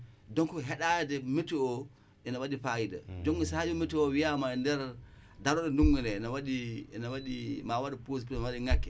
donc